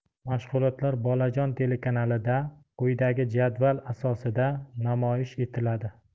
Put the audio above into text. mashg'ulotlar bolajon telekanalida quyidagi jadval asosida namoyish etiladi